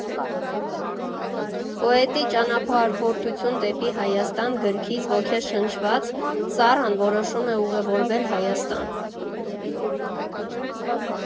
Պոետի «Ճանապարհորդություն դեպի Հայաստան» գրքից ոգեշնչված՝ Սառան որոշում է ուղևորվել Հայաստան։